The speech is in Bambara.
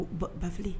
Bafile